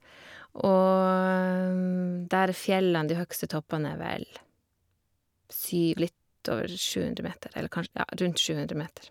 Og der er fjellene, de høyeste toppene er vel syv litt over sju hundre meter, eller kanskje, ja, rundt sju hundre meter.